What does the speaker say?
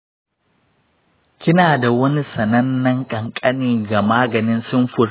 kina da wani sanannen ƙyanƙyani ga maganin sulfur?